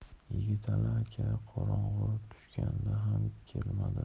yigitali aka qorong'i tushganda ham kelmadi